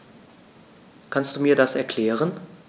Kannst du mir das erklären?